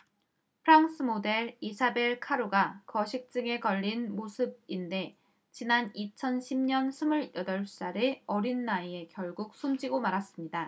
프랑스 모델 이사벨 카로가 거식증에 걸린 모습인데지난 이천 십 년 스물 여덟 살의 어린 나이에 결국 숨지고 말았습니다